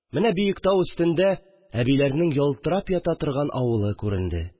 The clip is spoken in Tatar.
Менә биек тау өстендә әбил менрнең ялтырап ята торган авылы күренде